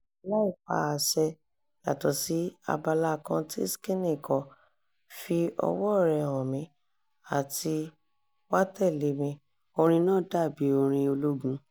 Láì pa àṣẹ (yàtọ̀ sí abala kan tí Skinny kọ "fi ọwọ́ọ̀ rẹ hàn mí" àti "wá tẹ̀lé mi", orin náà dàbí orin ológun.